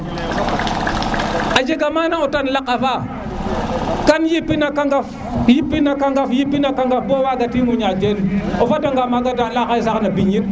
a jega mana itam laka fa kam yipina a qadaf yipina qadaf yipina qadaf bowaga timo ƴaƴ teen fada nga maga dan la xay sax na be nim